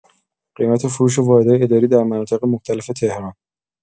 قیمت فروش واحدهای اداری در مناطق مختلف تهران